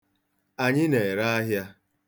Anyị na-ere ahịa.